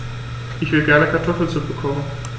Ich will gerne Kartoffelsuppe kochen.